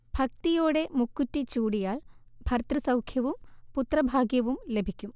ഭക്തിയോടെ മുക്കുറ്റി ചൂടിയാൽ ഭർതൃസൗഖ്യവും പുത്രഭാഗ്യവും ലഭിക്കും